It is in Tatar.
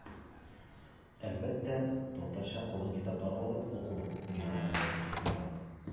Әлбәттә, татарча калын китаплар алып уку миңа әле кыенрак.